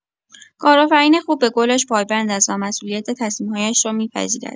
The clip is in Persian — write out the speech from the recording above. کارآفرین خوب به قولش پایبند است و مسئولیت تصمیم‌هایش را می‌پذیرد.